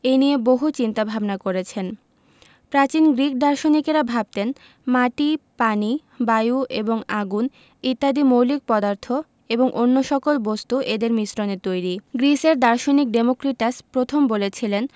এ নিয়ে বহু চিন্তা ভাবনা করেছেন প্রাচীন গ্রিক দার্শনিকেরা ভাবতেন মাটি পানি বায়ু এবং আগুন ইত্যাদি মৌলিক পদার্থ আর অন্য সকল বস্তু এদের মিশ্রণে তৈরি গ্রিসের দার্শনিক ডেমোক্রিটাস প্রথম বলেছিলেন